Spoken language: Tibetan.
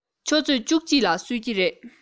ཆུ ཚོད བཅུ གཅིག ལ གསོད ཀྱི རེད